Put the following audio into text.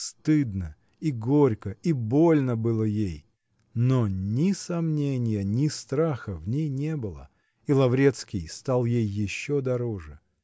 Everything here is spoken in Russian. Стыдно, и горько, и больно было ей: но ни сомненья, ни страха в ней не было, -- и Лаврецкий стал ей еще дороже.